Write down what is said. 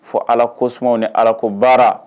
Fɔ ala kosman ni ala ko baara